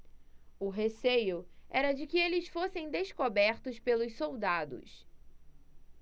o receio era de que eles fossem descobertos pelos soldados